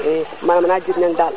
i manam ana jirñang daal